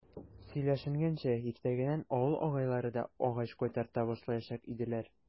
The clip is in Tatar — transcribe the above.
Сөйләшенгәнчә, иртәгәдән авыл агайлары да агач кайтарта башлаячак иделәр.